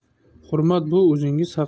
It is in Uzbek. hurmat bu o'zingiz